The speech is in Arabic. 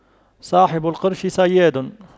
صاحب القرش صياد